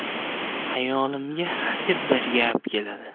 xayolimga hadeb bir gap keladi